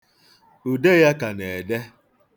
Ude ya ka na-ede.